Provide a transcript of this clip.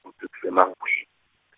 seMangwe-.